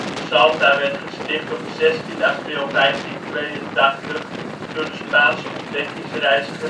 Salta werd gesticht op 16 april 1582 door de Spaanse ontdekkingsreiziger